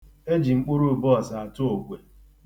E ji mkpụrụ ubeọsa atụ okwe.